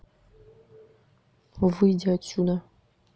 выйди отсюда